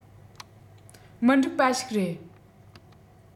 མི འགྲིག པ ཞིག རེད